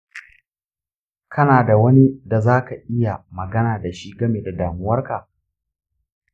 kana da wani da za ka iya magana da shi game da damuwarka?